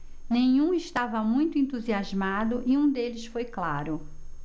nenhum estava muito entusiasmado e um deles foi claro